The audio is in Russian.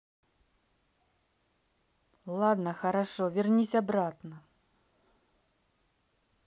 ладно хорошо вернись обратно